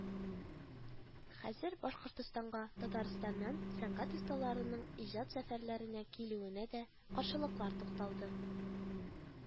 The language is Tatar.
Хәзер Башкортстанга Татарстаннан сәнгать осталарының иҗат сәфәрләренә килүенә дә каршылыклар тукталды